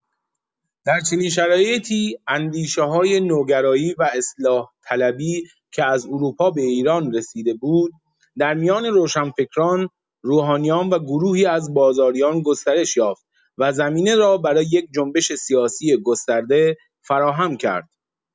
در چنین شرایطی اندیشه‌های نوگرایی و اصلاح‌طلبی که از اروپا به ایران رسیده بود، در میان روشنفکران، روحانیان و گروهی از بازاریان گسترش یافت و زمینه را برای یک جنبش سیاسی گسترده فراهم کرد.